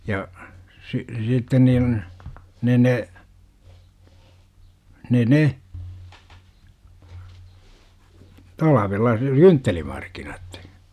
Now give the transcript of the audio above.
ja - sitten niin ne ne ne ne talvella ne kynttelimarkkinat